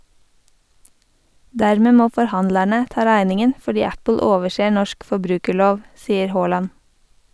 Dermed må forhandlerne ta regningen fordi Apple overser norsk forbrukerlov , sier Haaland.